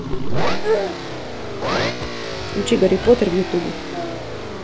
включи гарри поттер в ютубе